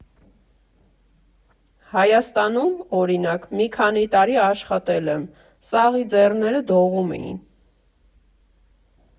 Հունաստանում, օրինակ, մի քանի տարի աշխատել եմ՝ սաղի ձեռները դողում էին։